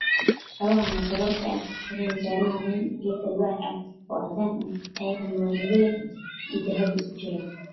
Waa kaba rag waxa ay saaran yihiin geed al wax ah waa madow iyo qaxo